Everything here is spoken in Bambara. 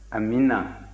amiina